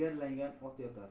egarlangan ot yotar